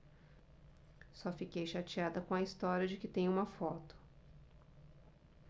só fiquei chateada com a história de que tem uma foto